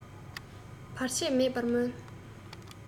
བར ཆད མེད པར སྨོན